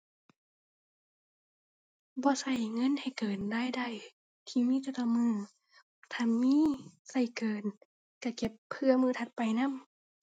บ่ใช้เงินให้เกินรายได้ที่มีแต่ละมื้อ ถ้าคันมีใช้เกินใช้เก็บเผื่อมื้อถัดไปนำ